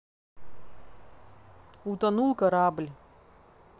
утонул корабль